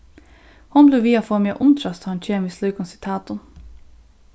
hon blívur við at fáa meg at undrast tá hon kemur við slíkum sitatum